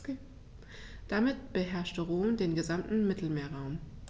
Damit beherrschte Rom den gesamten Mittelmeerraum.